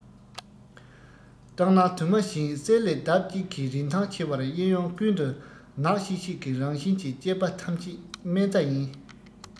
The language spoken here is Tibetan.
སྐྲག སྣང དུ མ བྱིན གསེར ལས ལྡབ གཅིག གིས རིན ཐང ཆེ བར གཡས གཡོན ཀུན ཏུ ནག ཤིག ཤིག གི རང བཞིན གྱི སྐྱེས པ ཐམས ཅད སྨན རྩྭ ཡིན